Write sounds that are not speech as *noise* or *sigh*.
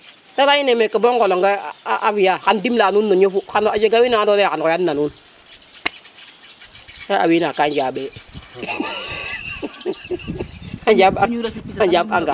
te leya ine meke bo ŋolo ŋe a fiya xam dimla a nuun no ñofi a jega win wa ando naye xam xoyan na nuun ka wiin wa ga njambe *laughs* a njamb a a njamb a nga